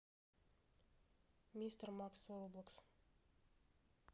мистер макс роблокс